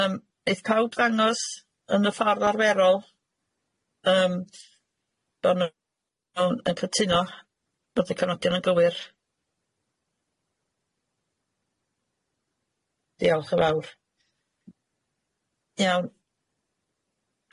Yym aith pawb ddangos yn y ffordd arferol, yym bo'n nw'n yn cytuno bod y cynodion yn gywir. Diolch yn fawr. Iawn.